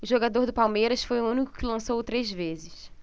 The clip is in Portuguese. o jogador do palmeiras foi o único que lançou três vezes